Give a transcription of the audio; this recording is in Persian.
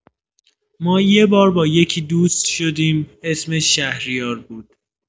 ما یبار با یکی دوست شدیم، اسمش شهریار بود.